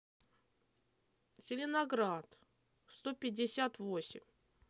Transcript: зеленоград сто пятьдесят восемь